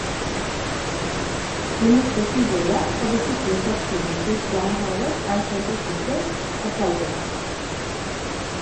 Minutter tidligere hadde sittende statsminister John Howard erkjent offentlig at valget var tapt.